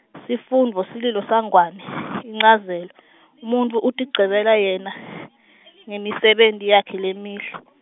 sifundvo, sililo saNgwane, inchazelo , umuntfu utigcebela yena, ngemisebenti yakhe lemihle.